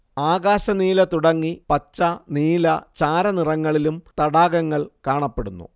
ആകാശനീല തുടങ്ങി പച്ച നീല ചാര നിറങ്ങളിലും തടാകങ്ങൾ കാണപ്പെടുന്നു